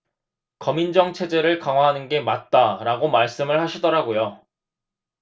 검인정 체제를 강화하는 게 맞다라고 말씀을 하시더라고요